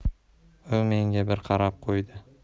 u menga bir qarab qo'ydi